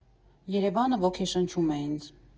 Երևանը ոգեշնչում է ինձ։